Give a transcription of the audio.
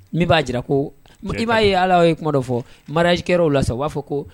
Min b'a jira ko motigibaa ye ala ye kuma dɔ fɔkɛ' lasa b'a fɔ ko